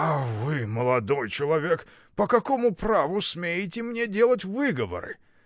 — А вы, молодой человек, по какому праву смеете мне делать выговоры?